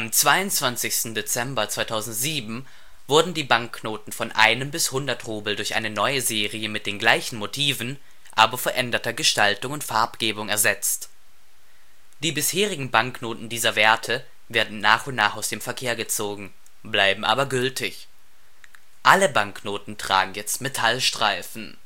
22. Dezember 2007 wurden die Banknoten von 1 bis 100 Rubel durch eine neue Serie mit den gleichen Motiven, aber veränderter Gestaltung und Farbgebung ersetzt. Die bisherigen Banknoten dieser Werte werden nach und nach aus dem Verkehr gezogen, bleiben aber gültig. Alle Banknoten tragen jetzt Metallstreifen